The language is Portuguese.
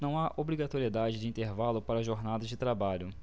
não há obrigatoriedade de intervalo para jornadas de trabalho